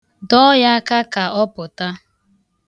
Dọọ ya aka ka ọ pụta.